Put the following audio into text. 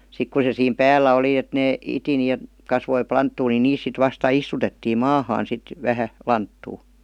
sitten kun se siinä päällä oli että ne iti niin - kasvoi lanttua niin niistä sitten vasta istutettiin maahan sitten vähän lanttua